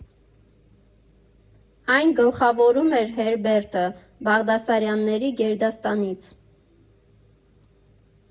Այն գլխավորում էր Հերբերտը՝ Բաղդասարյանների գերդաստանից։